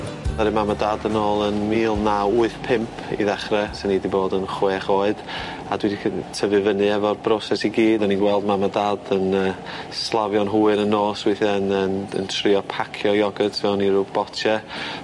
Ddaru mam a dad yn ôl yn mil naw wyth pump i ddechre swn i 'di bod yn chwech oed a dwi di cy- tyfu fyny efo'r broses i gyd o'n i'n gweld mam a dad yn yy slavio'n hwyr y nos weithie yn yn yn trio pacio iogyrt mewn i ryw botie.